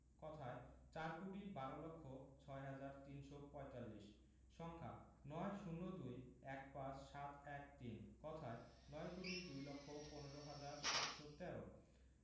কথায়ঃ চার কোটি বার লক্ষ ছয় হাজার তিনশো পঁয়তাল্লিশ সংখ্যাঃ ৯ ০২ ১৫ ৭১৩ কথায়ঃ নয় কোটি দুই লক্ষ পনেরো হাজার সাতশো তেরো